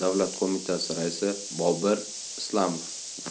davlat qo'mitasi raisi bobir islamov